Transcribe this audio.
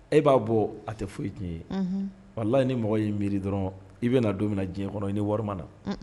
E b'a bɔ a tɛ foyi tiɲɛ ye wala la ni mɔgɔ in miiri dɔrɔn i bɛna don min na diɲɛ kɔnɔ i ni warima na